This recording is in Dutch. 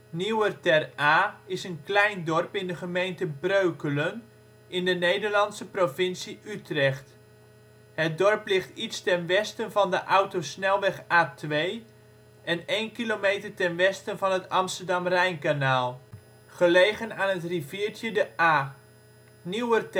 Nieuwer Ter Aa is een klein dorp in de gemeente Breukelen, in de Nederlandse provincie Utrecht. Het dorp ligt iets ten westen van de autosnelweg A2 en één kilometer ten westen van het Amsterdam-Rijnkanaal, gelegen aan het riviertje de Aa. Nieuwer